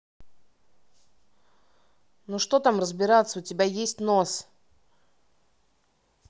ну что там разбираться у тебя есть нос